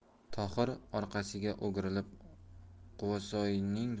tohir orqasiga o'girilib quvasoyning